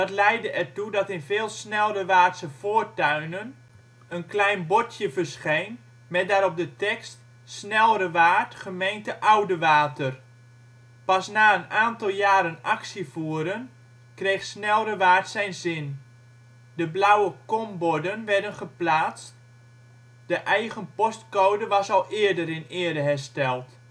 leidde ertoe dat in veel Snelrewaardse voortuinen een klein bordje verscheen met daarop de tekst ' Snelrewaard, gem. Oudewater '. Pas na een aantal jaren actie voeren, kreeg Snelrewaard zijn zin. De blauwe komborden werden geplaatst. De ' eigen ' postcode was al eerder in ere hersteld